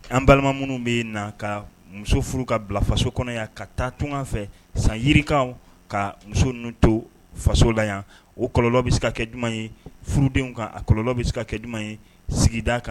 An balima minnu bɛ na ka muso furu ka bila faso kɔnɔ yan ka taa tunga fɛ san yirikaw ka muso ninnu to faso la yan o kɔlɔ bɛ se ka kɛ ye furudenw kan a kɔlɔ bɛ se ka kɛ ye sigida kan